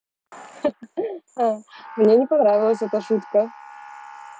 ха ха ха мне не понравилась эта шутка